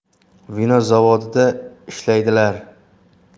vino zavodida ishlaydilar